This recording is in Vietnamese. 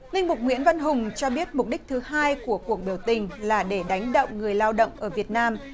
linh mục nguyễn văn hùng cho biết mục đích thứ hai của cuộc biểu tình là để đánh động người lao động ở việt nam